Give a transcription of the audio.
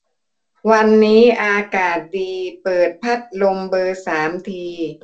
วันนี้อากาศดีเปิดพัดลมเบอร์สามที